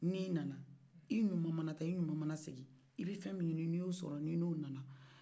n'i nana i ɲuman mana ta i ɲuman mana segi i bɛ fɛmi ɲini n'e sɔrɔ n'e o nana